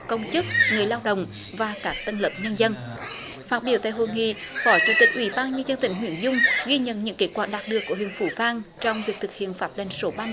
công chức người lao động và các tầng lớp nhân dân phát biểu tại hội nghị phó chủ tịch ủy ban nhân dân tỉnh nguyễn dung ghi nhận những kết quả đạt được của huyện phú vang trong việc thực hiện pháp lệnh số ba